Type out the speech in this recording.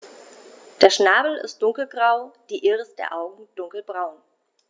Der Schnabel ist dunkelgrau, die Iris der Augen dunkelbraun.